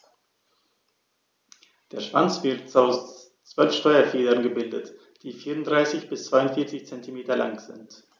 Der Schwanz wird aus 12 Steuerfedern gebildet, die 34 bis 42 cm lang sind.